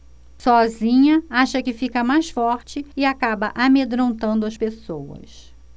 sozinha acha que fica mais forte e acaba amedrontando as pessoas